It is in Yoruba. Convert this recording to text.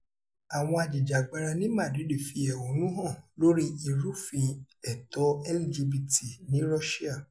Àwọn ajìjàǹgbara ní Madrid fi ẹ̀hónú hàn lórí ìrúfin ẹ̀tọ́ LGBT ní Russia